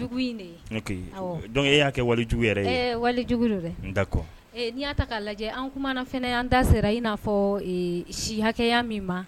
Dɔn e y'a kɛ wali jugu wali jugu n dakɔ n'i y'a ta lajɛ anumana fana y yan da sera i n'a fɔ si hakɛya min ma